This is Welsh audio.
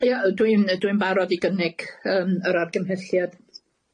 Ia y- dwi'n y- dwi'n barod i gynnig yym yr argymhelliad.